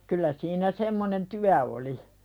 kyllä siinä semmoinen työ oli